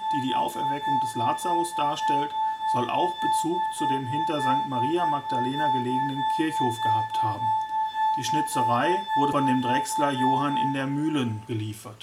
die Auferweckung des Lazarus darstellt, soll auch Bezug zu dem hinter St. Maria Magdalena gelegenen Kirchhof gehabt haben. Die Schnitzerei wurde von dem Drechsler Johann in der Mühlen geliefert